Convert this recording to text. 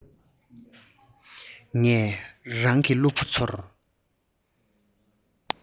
ངས རང གི སློབ བུ ཚོར